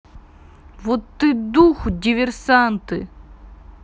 вот ты духу диверсанты